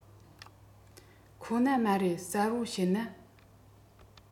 ཁོ ན མ རེད གསལ པོར བཤད ན